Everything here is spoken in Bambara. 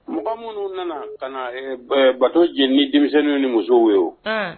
Mɔgɔ minnu nana ka na bato ni denmisɛnnin ni musow ye